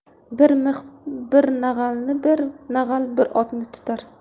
bir mix bir nag'alni bir nag'al bir otni tutar